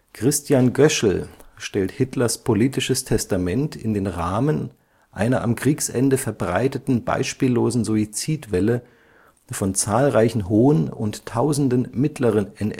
Christian Goeschel stellt Hitlers politisches Testament in den Rahmen einer am Kriegsende verbreiteten beispiellosen Suizidwelle von zahlreichen hohen und tausenden mittleren NS-Funktionären